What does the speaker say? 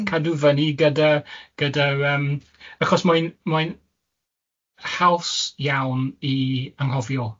Cadw fyny gyda'r gyda'r yym... Achos mae'n mae'n haws iawn i anghofio